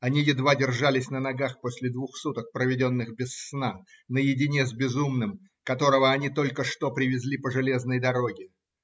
они едва держались на ногах после двух суток проведенных без сна, наедине с безумным, которого они только что привезли по железной дороге.